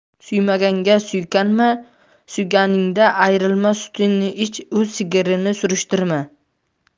suymaganga suykanma suyganingdan ayrilma sutini ich u sigirini surishtirma